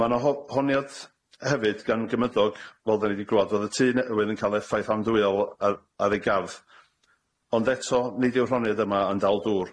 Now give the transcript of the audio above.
Ma' 'na ho- honiad hefyd gan gymydog. Fel 'dan ni 'di glwa, o'dd y tŷ newydd yn ca'l effaith andwyol ar ar ei gardd, ond eto nid yw'r honiad yma yn dal dŵr.